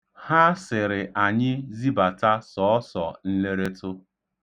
Ha sịrị anyị zibata sọọsọ nleretụ.